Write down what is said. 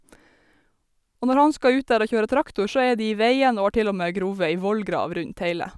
Og når han skal ut der og kjøre traktor, så er de i veien og har til og med grove ei vollgrav rundt heile.